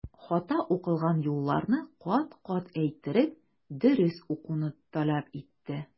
Хата укылган юлларны кат-кат әйттереп, дөрес укуны таләп итте.